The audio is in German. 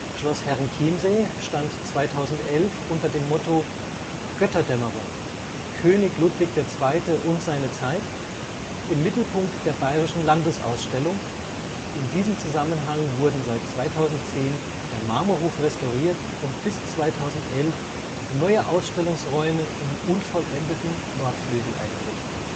Schloss Herrenchiemsee stand 2011 unter dem Motto Götterdämmerung – König Ludwig II. und seine Zeit im Mittelpunkt der Bayerischen Landesausstellung, in diesem Zusammenhang wurden seit 2010 der Marmorhof restauriert und bis 2011 neue Ausstellungsräume im unvollendeten Nordflügel eingerichtet